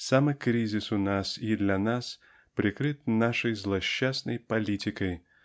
самый кризис у нас и для нас прикрыт нашей злосчастной "политикой"